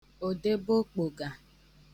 òdebeokpògà